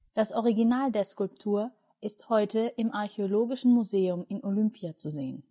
Das Original der Skulptur ist heute im Archäologischen Museum in Olympia zu sehen